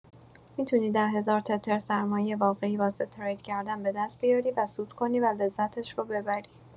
می‌تونی ۱۰ هزار تتر سرمایۀ واقعی واسه ترید کردن به دست بیاری و سود کنی و لذتش رو ببری.